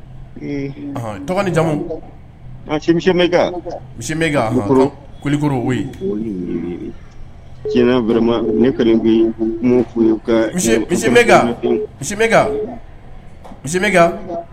Tɔgɔ jamu misi bɛ kolikoro tima misi misi